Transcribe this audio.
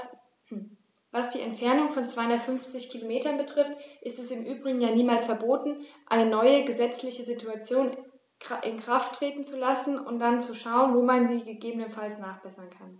Was die Entfernung von 250 Kilometern betrifft, ist es im Übrigen ja niemals verboten, eine neue gesetzliche Situation in Kraft treten zu lassen und dann zu schauen, wo man sie gegebenenfalls nachbessern kann.